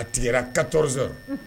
A tigɛ katɔz